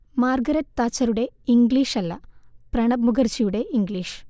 Margaret താച്ചറുടെ ഇംഗ്ലീഷല്ല, പ്രണബ് മുഖർജിയുടെ ഇംഗ്ലീഷ്